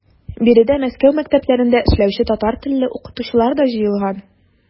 Биредә Мәскәү мәктәпләрендә эшләүче татар телле укытучылар да җыелган.